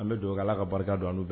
An bɛ don ala ka barika don an